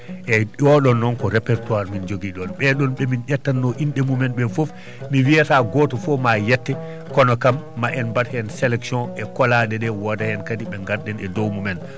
eyyi oɗon noon ko répertoire min jogi ɗon ɓeɗon ɓe min ƴettanno inɗe mum ɓe fof mi wiyata goto fof ma yette kono kam ma en mbatheen sélection e kolaɗeɗe woodaheen kadi ɓe garɗen e dow mumen